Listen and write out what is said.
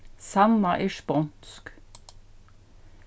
sanna er sponsk